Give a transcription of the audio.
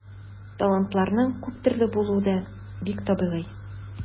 Талантларның күп төрле булуы да бик табигый.